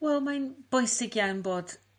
Wel mae'n bwysig iawn bod